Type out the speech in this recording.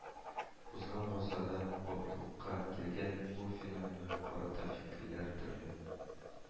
Узган гасырда барлыкка килгән бу феноменга карата фикерләр төрле